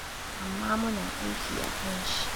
amma mu na aiki akan shi.